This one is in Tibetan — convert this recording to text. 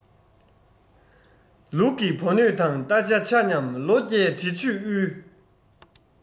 ལུག གི བུ སྣོད དང རྟ ཤ ཆ མཉམ ལོ བརྒྱད དྲི ཆུས དབུལ